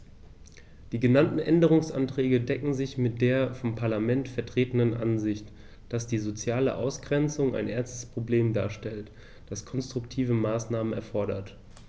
Die genannten Änderungsanträge decken sich mit der vom Parlament vertretenen Ansicht, dass die soziale Ausgrenzung ein ernstes Problem darstellt, das konstruktive Maßnahmen erfordert.